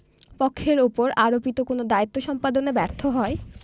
পক্ষের উপর আরোপিত কোন দায়িত্ব সম্পাদনে ব্যর্থ হয়